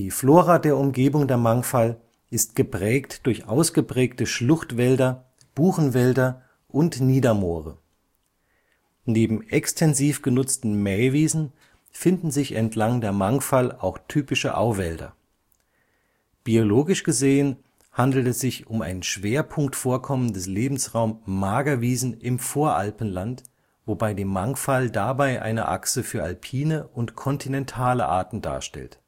Flora der Umgebung der Mangfall ist geprägt durch ausgeprägte Schluchtwälder, Buchenwälder und Niedermoore. Neben extensiv genutzten Mähwiesen finden sich entlang der Mangfall auch typische Auwälder. Biologisch gesehen handelt es sich ein Schwerpunktvorkommen des Lebensraums Magerwiesen im Voralpenland, wobei die Mangfall dabei eine Achse für alpine und kontinentale Arten darstellt